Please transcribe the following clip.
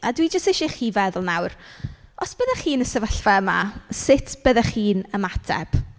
A dwi jyst isie i chi feddwl nawr os bydde chi yn y sefyllfa yma sut byddech chi'n ymateb?